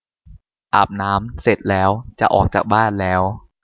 อาบน้ำเสร็จแล้วจะออกจากบ้านแล้ว